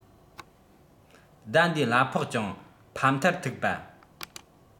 ཟླ འདིའི གླ ཕོགས ཀྱང ཕམ མཐར ཐུག པ